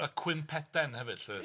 A cwymp Eden hefyd 'lly.